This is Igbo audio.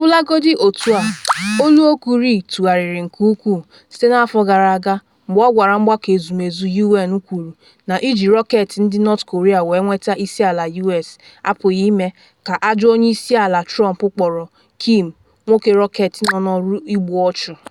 Ọbụlagodi otu a, olu okwu Ri tụgharịrị nke ukwuu site na afọ gara aga, mgbe ọ gwara Mgbakọ Ezumezu U.N. kwuru na iji rọketị ndị North Korea wee nweta isi ala U.S. apụghị ime, ka “Ajọ Onye Isi Ala” Trump kpọrọ Kim “nwoke rọketị” nọ n’ọrụ igbu ọchụ.